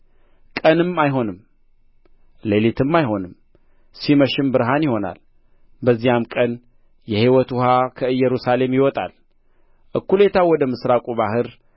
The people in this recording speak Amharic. ቀንም አይሆንም ሌሊትም አይሆንም ሲመሽም ብርሃን ይሆናል በዚያም ቀን የሕይወት ውኃ ከኢየሩሳሌም ይወጣል እኵሌታው ወደ ምሥራቁ ባሕር